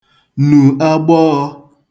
nù agbọọ̄